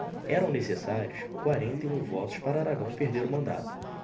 eram necessários quarenta e um votos para aragão perder o mandato